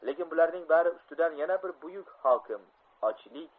lekin bularning bari ustidan yana bir buyuk hokim ochlik